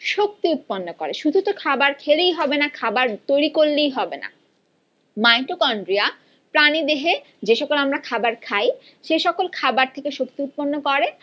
শক্তি উৎপন্ন করে শুধু তো খাবার খেলেই হবে না খাবার তৈরি করলেও হবে না মাইটোকনড্রিয়া প্রাণীদেহে যে সকল আমরা খাবার খাই যে সকল খাবার থেকে শক্তি উৎপন্ন করে